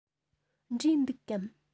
འབྲས འདུག གམ